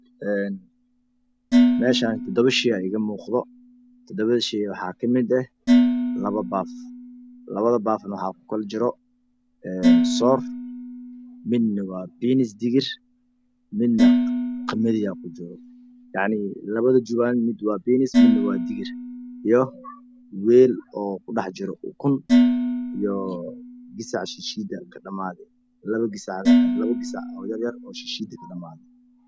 Meeshaan 7 shey ayaa iiga muuqda 7 shay waxaa kamid ah 2 baaf 2 da baafna waxaa kukala jiro soor midna waa bariis iyo digir midna qamadi aa kujiro yacni labada juwaan mid waana digir midna waa weel oo kudhex jiro ukun iyo gas gasaca shiishida ka dhamaatah labo gasac oo yaryar labo gasac yayar oo shiishiida ka dhamatay